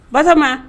Batɔma